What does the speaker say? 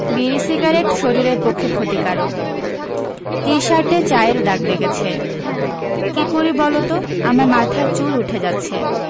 বিড়ি সিগারেট শরীরের পক্ষে ক্ষতিকারক টিশার্টে চায়ের দাগ লেগেছে কী করি বলতো আমার মাথার চুল উঠে যাচ্ছে